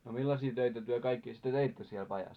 no millaisia töitä te kaikkia sitten teitte siellä pajassa